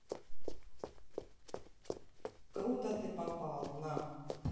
круто ты попал на